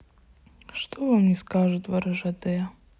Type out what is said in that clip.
что вам не скажут в ржд